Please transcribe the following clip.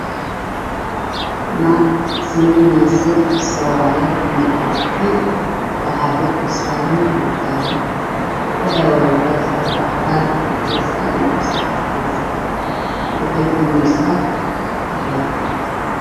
Naag samey neyso sabaayad